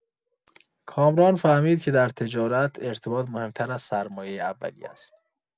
کامران فهمید که در تجارت، ارتباطات مهم‌تر از سرمایۀ اولیه است.